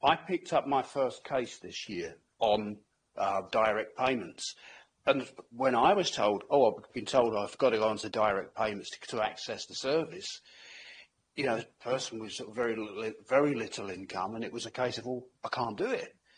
I picked up my first case this year on yy direct payments and when I was told oh I've been told I've got to go on to direct payments to access the service you know the person with sort of very little i- very little income and it was a case of oh I can't do it.